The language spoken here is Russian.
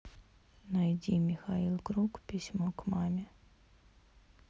найди михаил круг письмо к маме